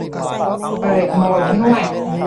เปิดโหมดนวด